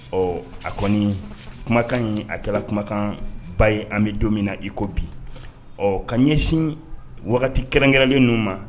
Ɔ a kɔni kumakan in a kɛra kumakan ba ye an bɛ don min na iko bi ɔ ka ɲɛsin wagati kɛrɛnkɛrɛnlen ninnu ma